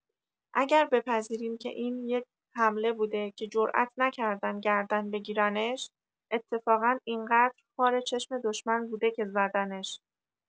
اگر بپذیریم که این یه حمله بوده که جرات نکردن گردن بگیرنش، اتفاقا اینقدر خار چشم دشمن بوده که زدنش!